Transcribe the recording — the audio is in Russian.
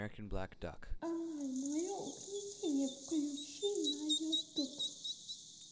анальное угнетение включи на ютуб